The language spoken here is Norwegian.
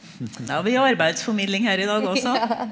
nå har vi jo arbeidsformidling her i dag også.